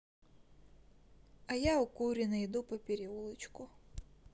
а я укуренный иду по переулочку